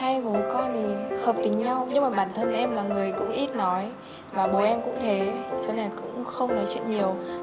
hai bố con thì hợp tính nhau nhưng bản thân em là người cũng ít nói và bố em cũng thế cho nên là cũng không nói chuyện nhiều